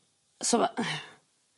So ma' ...